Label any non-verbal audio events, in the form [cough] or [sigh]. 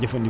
[hesitation]